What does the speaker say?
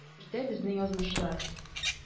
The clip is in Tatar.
Йөртә безне язмышлар.